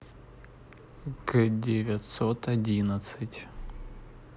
к девятьсот одиннадцать